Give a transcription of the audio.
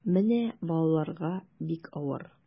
Менә балаларга бик авыр.